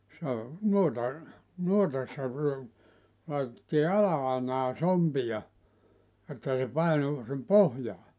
se on noita nuotassa laitettiin ala-ainaan sompia että se painui sinne pohjaan